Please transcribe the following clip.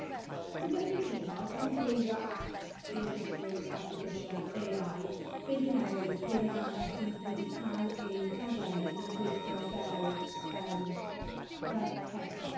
So yn gyffredinol, pan ni'n cyfeirio at deallusrwydd artiffisialAI be ni'n meddwl yw peiriannau sy'n wedi cael eu rhaglenni i gweithio fel yym fel person.